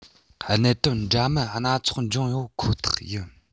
གནད དོན འདྲ མིན སྣ ཚོགས འབྱུང ཡོད ཁོ ཐག ཡིན